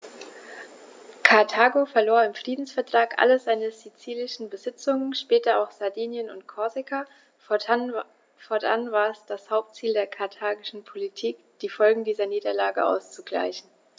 Karthago verlor im Friedensvertrag alle seine sizilischen Besitzungen (später auch Sardinien und Korsika); fortan war es das Hauptziel der karthagischen Politik, die Folgen dieser Niederlage auszugleichen.